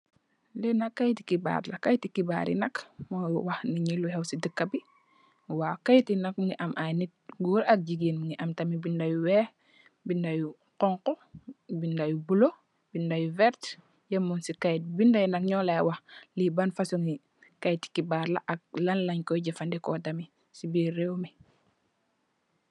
Lenat kaitu khibarla, kaitii nak moi wahk nitii lu khew si birr dakabii. Kaiti nak mungii am ai nitt gorr ak jigenn ak ai binda, bindayi nak molai wahk lii ban fason khibarla.